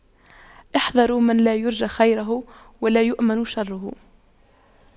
احذروا من لا يرجى خيره ولا يؤمن شره